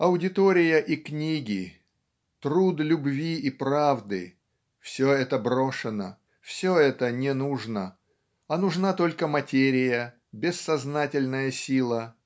Аудитория и книги, "труд любви и правды" все это брошено все это не нужно а нужна только материя бессознательная сила